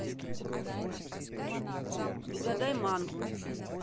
угадай мангу